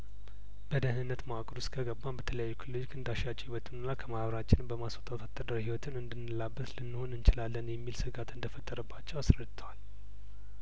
በደህንነት መዋቅር ውስጥ ከገባን በተለያዩ ክልሎች እንዳ ሻቸው ይበትኑናል ከማህበራችንም በማስወጣት ወታደራዊ ህይወትን እንድንላበስ ልንሆን እንችላለን የሚል ስጋት እንደፈጠረባቸው አስረድተዋል